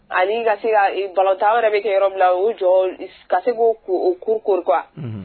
Ani ka se ka ee ballon tan,a yɛrɛ bɛ kɛ yɔrɔ min na, o jɔ ka se ka o koori quoi